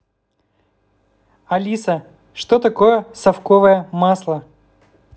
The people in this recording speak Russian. алиса что такое совковое масло